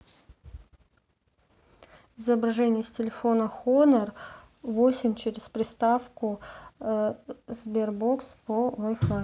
изображение с телефона хонор восемь через приставку sberbox по wi fi